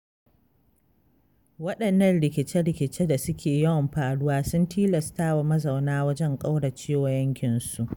Waɗannan rikice-rikice da suke yawan faruwa sun tilastawa mazauna wajen kauracewa yankinsu